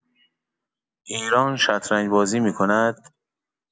ایران شطرنج‌بازی می‌کند.